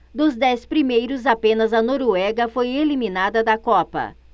dos dez primeiros apenas a noruega foi eliminada da copa